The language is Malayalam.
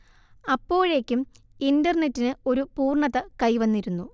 അപ്പോഴേക്കും ഇന്റർനെറ്റിന് ഒരു പൂർണ്ണത കൈവന്നിരുന്നു